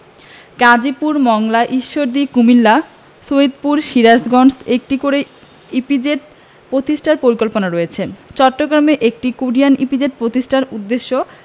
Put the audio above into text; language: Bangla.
গাজীপুর মংলা ঈশ্বরদী কুমিল্লা সৈয়দপুর ও সিরাজগঞ্জে একটি করে ইপিজেড প্রতিষ্ঠার পরিকল্পনা রয়েছে চট্টগ্রামে একটি কোরিয়ান ইপিজেড প্রতিষ্ঠার উদ্দেশ্যে